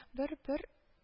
Бер-бер